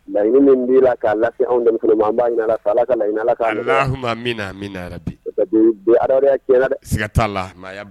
Laɲini min bi la ka lase anw denmisɛnninw ma , an ba ɲini Ala fɛ Ala ka laɲini sabati . No tɛ bi adamadeya tiɲɛna dɛ.